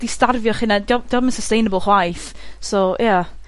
ti starfio'ch hunan, 'di 'di o'm yn sustainable chwaith, so ie.